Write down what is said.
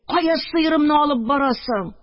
Кая сыерымны алып барасың